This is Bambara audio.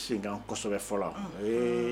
N se an fɔlɔ